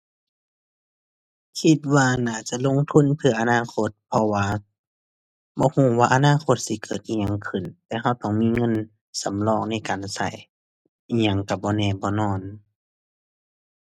คิดว่าน่าจะลงทุนเพื่ออนาคตเพราะว่า บ่รู้ว่าอนาคตสิเกิดอิหยังขึ้น แต่รู้ต้องมีเงินสำรองในการรู้ อิหยังรู้บ่แน่บ่นอน